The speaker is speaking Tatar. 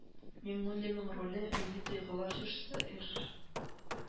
Миңнуллинның роле , Милли тойгылар җырчысы , эР